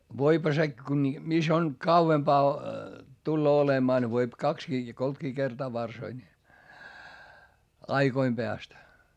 voihan se kun niin missä on kauempaa tulee olemaan ne voi kaksikin ja kolmekin kertaa varsoi niin aikojen päästä